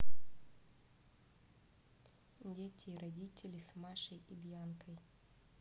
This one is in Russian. дети и родители с машей и бьянкой